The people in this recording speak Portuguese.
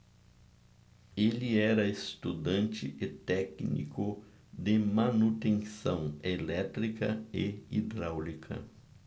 ele era estudante e técnico de manutenção elétrica e hidráulica